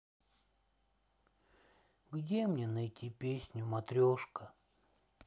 где мне найти песню матрешка